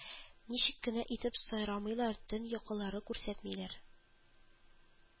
Ничек кенә итеп сайрамыйлар, төн йокылары күрсәтмиләр